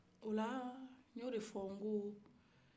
ola y'o de fɔ ko